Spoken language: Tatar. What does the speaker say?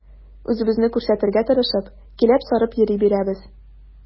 Үзебезне күрсәтергә тырышып, киләп-сарып йөри бирәбез.